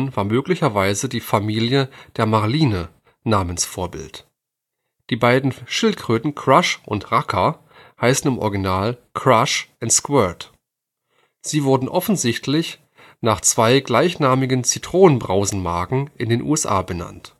war möglicherweise die Familie der Marline Namensvorbild. Die beiden Schildkröten Crush und Racker heißen im Original Crush und Squirt. Sie wurden offensichtlich nach zwei gleichnamigen Zitronenbrausen-Marken in den USA benannt